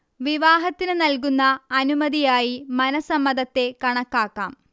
വിവാഹത്തിന് നൽകുന്ന അനുമതിയായി മനഃസമ്മതത്തെ കണക്കാക്കാം